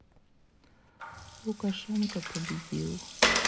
лукашенко победил